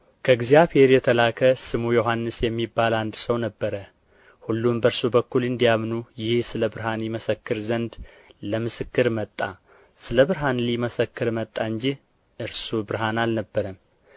ከእግዚአብሔር የተላከ ስሙ ዮሐንስ የሚባል አንድ ሰው ነበረ ሁሉ በእርሱ በኩል እንዲያምኑ ይህ ስለ ብርሃን ይመሰክር ዘንድ ለምስክር መጣ ስለ ብርሃን ሊመሰክር መጣ እንጂ እርሱ ብርሃን አልነበረም